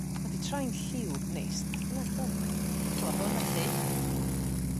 Ma' 'di troi'n lliw neis beth bynnag do? Hidlo hwn felly.